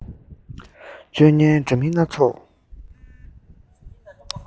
སྤྱོད ངན འདྲ མིན སྣ ཚོགས